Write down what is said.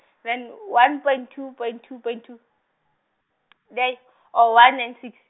then one point two point two point two, oh one nine six.